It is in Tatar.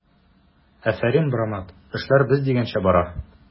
Афәрин, брамат, эшләр без дигәнчә бара!